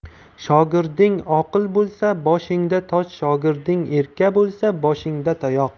shogirding oqil bo'lsa boshingda toj shogirding erka bo'lsa boshga tayoq